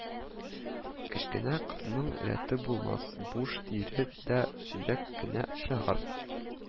Кечкенә кызның рәте булмас, буш тире дә сөяк кенә чыгар